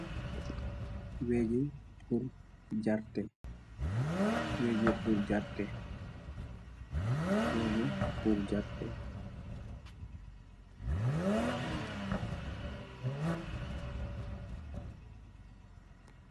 Lii amb jarratou la